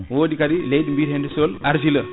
wodi kadi leydi biyatedi sol argileux